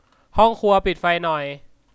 ห้องครัวปิดไฟหน่อย